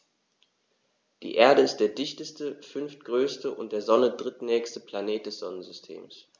Die Erde ist der dichteste, fünftgrößte und der Sonne drittnächste Planet des Sonnensystems.